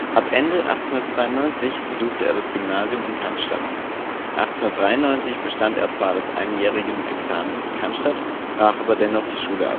Ab Ende 1892 besuchte er das Gymnasium in Cannstatt. 1893 bestand er zwar das Einjährigen-Examen in Cannstatt, brach aber dennoch die Schule